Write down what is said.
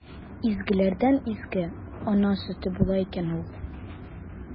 Изгеләрдән изге – ана сөте була икән ул!